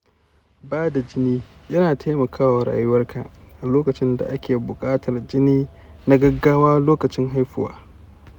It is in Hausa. bada jini yana taimakawa rayuka a lokacin da ake bukatan jini na gaggawa lokacin haihuwa.